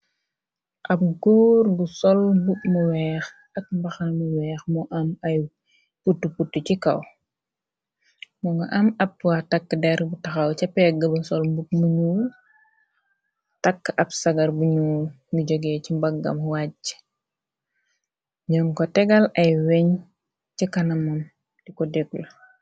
Ab góor gu sol mbub mu weex ak mbaxana mu weex moo am ay putu putu ci kaw, mo nga am ab takkder bu taxaw ca pegg bu sol mbub mu ñuul takk ab sagar buñuul, mu jogee ci mbaggam wàcci, ñën ko tegal ay weñ ca kanamam di ko deg lu.